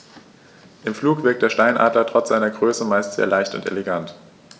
Im Flug wirkt der Steinadler trotz seiner Größe meist sehr leicht und elegant.